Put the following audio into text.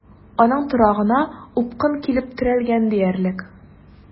Аның торагына упкын килеп терәлгән диярлек.